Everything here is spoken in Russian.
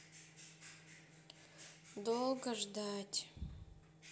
долго ждать